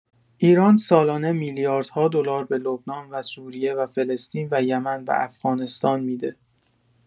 ایران سالانه میلیاردها دلار به لبنان و سوریه و فلسطین و یمن و افغانستان می‌ده